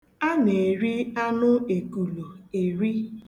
Ana eri anụ ekulu eri.